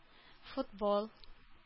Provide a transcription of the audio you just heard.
Футбол